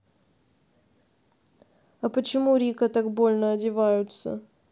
а почему рика так больно одеваются